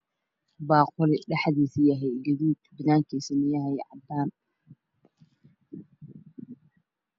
Baaquli dhexdiisu yahay gaduud banaankiisana yahay caddaaan